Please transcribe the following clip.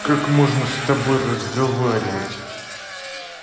как можно с тобой разговаривать